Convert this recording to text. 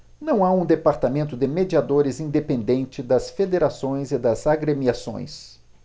não há um departamento de mediadores independente das federações e das agremiações